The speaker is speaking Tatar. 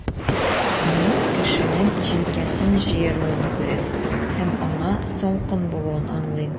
Мин кешенең җилкәсен җыеруын күрәм, һәм аңа салкын булуын аңлыйм.